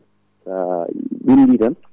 sa hurmi tan